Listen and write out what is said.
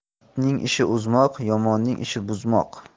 itning ishi uzmoq yomonning ishi buzmoq